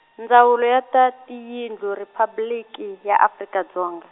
Ndzawulo ya ta Tiyindlu Riphabliki, ya Afrika Dzonga.